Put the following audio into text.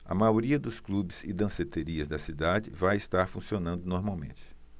a maioria dos clubes e danceterias da cidade vai estar funcionando normalmente